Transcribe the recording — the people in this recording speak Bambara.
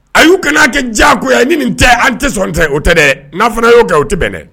A y'u kɛ n'a kɛ diya koyi yan ɲini nin tɛ an tɛ sɔn tɛ o tɛ dɛ n'a fana y'o kɛ o tɛ bɛn dɛ